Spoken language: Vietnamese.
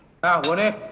nào uống đi